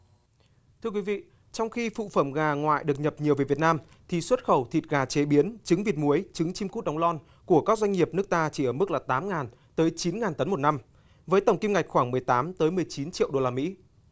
thưa quý vị trong khi phụ phẩm gà ngoại được nhập nhiều về việt nam thì xuất khẩu thịt gà chế biến trứng vịt muối trứng chim cút đóng lon của các doanh nghiệp nước ta chỉ ở mức là tám ngàn tới chín ngàn tấn một năm với tổng kim ngạch khoảng mười tám tới mười chín triệu đô la mỹ